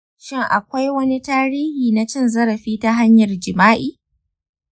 shin akwai wani tarihi na cin zarafi ta hanyar jima'i?